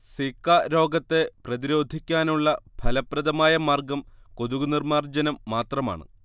Zika രോഗത്തെ പ്രതിരോധിക്കാനുള്ള ഫലപ്രദമായ മാർഗ്ഗം കൊതുകുനിർമ്മാർജ്ജനം മാത്രമാണ്